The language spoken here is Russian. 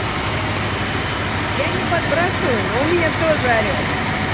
я не подбрасываю но у меня тоже орел